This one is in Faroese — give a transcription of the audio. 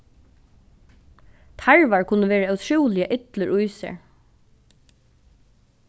tarvar kunnu vera ótrúliga illir í sær